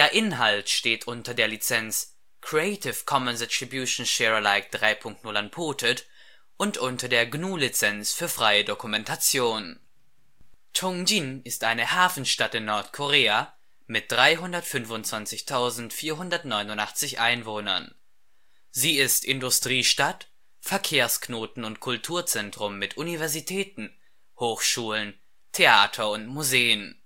Inhalt steht unter der Lizenz Creative Commons Attribution Share Alike 3 Punkt 0 Unported und unter der GNU Lizenz für freie Dokumentation. Chŏngjin Koreanisches Alphabet: 청진시 Chinesische Schriftzeichen: 淸津市 Revidierte Romanisierung: Cheongjin-si McCune-Reischauer: Ch’ ŏngjin-si Basisdaten Provinz: Hamgyŏng-pukto Koordinaten: 41° 48′ N, 129° 47′ O41.793055555556129.78Koordinaten: 41° 48′ N, 129° 47′ O Einwohner: 325.489 (Stand: 1. Januar 2005) Gliederung: 7 Stadtbezirke (Kuyŏk) Karte Chŏngjin Chŏngjin auf der Karte von Nordkorea. Satellitenbild von Ch’ ŏngjin Ch’ ŏngjin ist eine Hafenstadt in Nordkorea mit 325.489 Einwohnern. Sie ist Industriestadt, Verkehrsknoten und Kulturzentrum mit Universitäten, Hochschulen, Theater und Museen